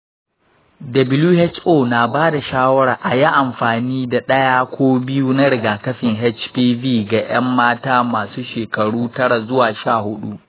who na ba da shawarar a yi amfani da ɗaya ko biyu na rigakafin hpv ga ƴan mata masu shekaru tara zuwa shahudu